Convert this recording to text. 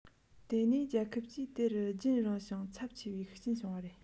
དེ ནས རྒྱལ ཁབ ཀྱིས དེར རྒྱུན རིང ཞིང ཚབས ཆེ བའི ཤུགས རྐྱེན བྱུང བ རེད